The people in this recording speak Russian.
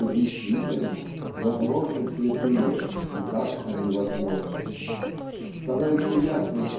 что действительно возможны святые и как они возможны становится ясно